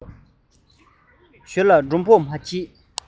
ཞོལ ལ མགྲོན པོ མ མཆིས